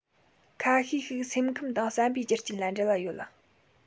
ཁ ཤས ཤིག སེམས ཁམས དང བསམ པའི རྒྱུ རྐྱེན ལ འབྲེལ བ ཡོད